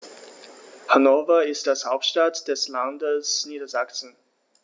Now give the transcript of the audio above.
Hannover ist die Hauptstadt des Landes Niedersachsen.